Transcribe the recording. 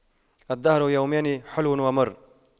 الدهر يومان حلو ومر